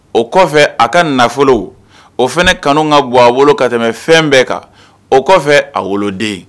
O kɔfɛ a ka nafolow o fana kanu ka bɔ a wolo ka tɛmɛ fɛn bɛɛ kan o kɔfɛ a woloden